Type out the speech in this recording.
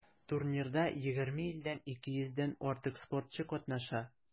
Турнирда 20 илдән 200 дән артык спортчы катнаша.